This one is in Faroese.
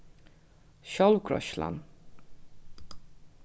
sjálvgreiðslan